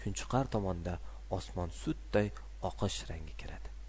kunchiqar tomonda osmon sutday oqish rangga kiradi